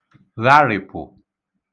gharị̀pụ̀